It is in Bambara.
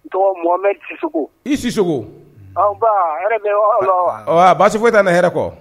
I si basi foyi tɛ na hɛrɛ kɔ